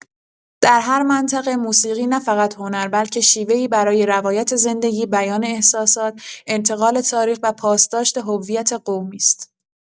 در هر منطقه، موسیقی نه‌فقط هنر بلکه شیوه‌ای برای روایت زندگی، بیان احساسات، انتقال تاریخ و پاسداشت هویت قومی است.